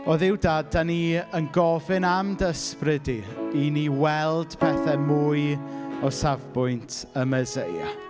O Dduw dad dan ni yn gofyn am dy ysbryd di i ni weld pethe mwy o safbwynt y Meseia.